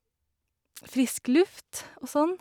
Frisk luft og sånn.